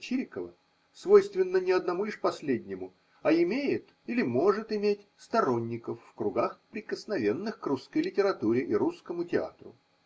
Чирикова, свойственно не одному лишь последнему, а имеет или может иметь сторонников в кругах, прикосновенных к русской литературе и русскому театру.